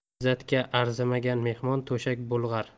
izzatga arzimagan mehmon to'shak bulg'ar